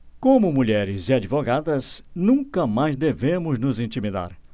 como mulheres e advogadas nunca mais devemos nos intimidar